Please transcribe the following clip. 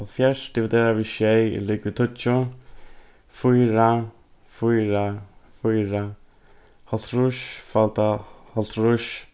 hálvfjerðs dividerað við sjey er ligvið tíggju fýra fýra fýra hálvtrýss falda hálvtrýss